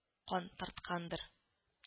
Кан тарткандыр